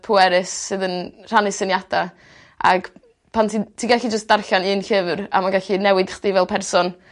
sydd yn rhannu syniada ag pan ti'n ti'n gallu jyst darllan un llyfr a ma'n gallu newid chdi fel person.